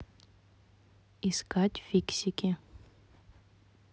искать фиксики